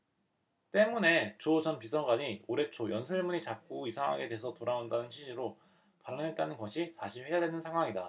때문에 조 전 비서관이 올해 초 연설문이 자꾸 이상하게 돼서 돌아온다는 취지로 발언했다는 것이 다시 회자되는 상황이다